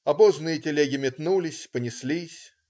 Обозные телеги метнулись, понеслись.